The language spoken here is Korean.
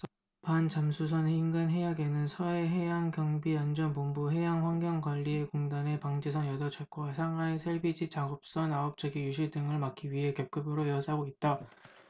반잠수선 인근해역에는 서해해양경비안전본부 해양환경관리공단의 방제선 여덟 척과 상하이 샐비지 작업선 아홉 척이 유실 등을 막기 위해 겹겹으로 에워싸고 있다